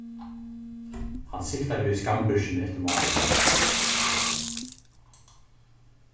hann siktaði við skammbyrsuni eftir málinum